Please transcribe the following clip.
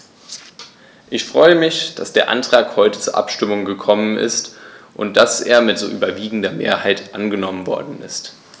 Ich freue mich, dass der Antrag heute zur Abstimmung gekommen ist und dass er mit so überwiegender Mehrheit angenommen worden ist.